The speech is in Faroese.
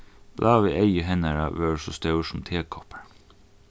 bláu eygu hennara vóru so stór sum tekoppar